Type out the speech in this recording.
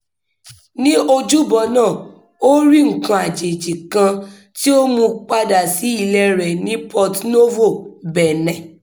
Ní ojúbọ náà, ó rí “nǹkan àjèjì” kan tí ó mú padà sí ilé rẹ̀ ní Porto-Novo, Bẹ̀nẹ̀.